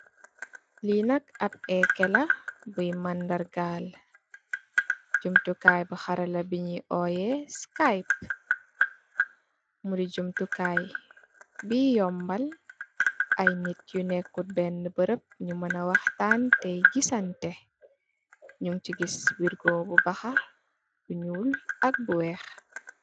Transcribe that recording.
Li nak ap ekela boi mandargar jumtukai bu xarale bu nyui oywh skype mu di jumtukai be yomal ay nitt yu nekut bena beremb nyu mona wahtan taai gisanteh nyun si giss wergo bu baha bu nuul ak bu weex.